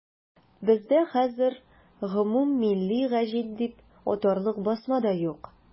Бездә хәзер гомуммилли гәҗит дип атарлык басма да юк.